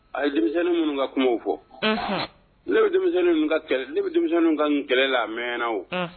A ye denmisɛnninnin minnu ka kumaw fɔ ne bɛ denmisɛnnin bɛ denmisɛnnin ka n kɛlɛ la mɛnɛna o